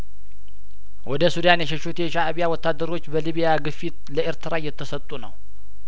ወደ ሱዳን የሸሹት የሻእቢያ ወታደሮች በሊብያ ግፊት ለኤርትራ እየተሰጡ ነው